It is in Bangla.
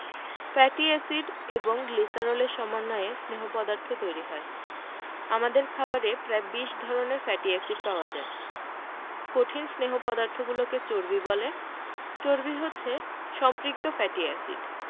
ফ্যাটি এসিড এবং গ্লিসারলের সমন্বয়ে স্নেহ পদার্থ তৈরি হয় আমাদের খাবারে প্রায় ২০ ধরনের ফ্যাটি এসিড পাওয়া যায় কঠিন স্নেহ পদার্থগুলোকে চর্বি বলে চর্বি হচ্ছে সম্পৃক্ত ফ্যাটি এসিড